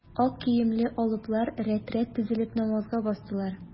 Ак киемле алыплар рәт-рәт тезелеп, намазга бастылар.